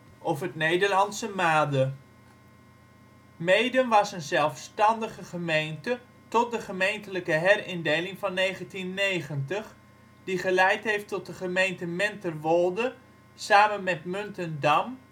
of het Nederlandse made. Meeden was een zelfstandige gemeente tot de gemeentelijke herindeling van 1990, die geleid heeft tot de gemeente Menterwolde, samen met Muntendam